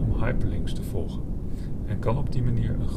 hyperlinks te volgen, en kan op die manier